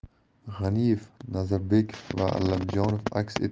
g'aniyev nazarbekov va allamjonov aks